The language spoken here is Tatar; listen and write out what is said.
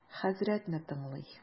Хәзрәтне тыңлый.